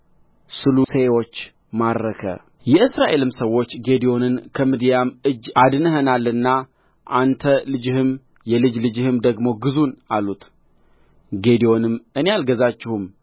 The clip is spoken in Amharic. ሥሉሴዎች ማረከ የእስራኤልም ሰዎች ጌዴዎንን ከምድያም እጅ አድነኸናልና አንተ ልጅህም የልጅ ልጅህም ደግሞ ግዙን አሉት ጌዴዎንም እኔ አልገዛችሁም